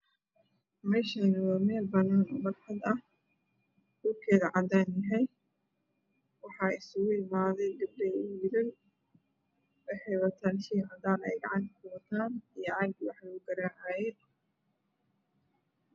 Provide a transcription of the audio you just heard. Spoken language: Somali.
Meeshaan waa meel banaan barxad ah dhulkeeda cadaan yahay waxaa iskugu imaaday gabdho iyo wiilal waxay wataan shay cadaan ayay gacanta ku wataan iyo caagii waxa lagu garaa caayay.